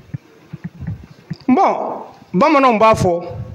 Bon bamananw b'a fɔ